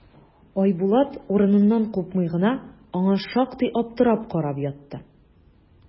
Айбулат, урыныннан купмый гына, аңа шактый аптырап карап ятты.